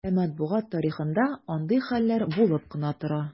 Ә матбугат тарихында андый хәлләр булып кына тора.